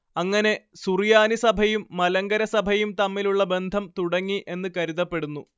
അങ്ങനെ സുറിയാനി സഭയും മലങ്കര സഭയും തമ്മിലുള്ള ബന്ധം തുടങ്ങി എന്ന് കരുതപ്പെടുന്നു